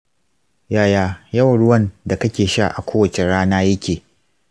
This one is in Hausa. yaya yawan ruwan da kake sha a kowace rana yake?